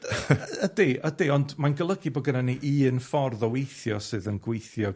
Ydi ydi ond mae'n golygu bo' gynno ni un ffordd o weithio sydd yn gweithio